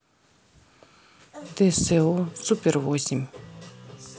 дсо супер восемь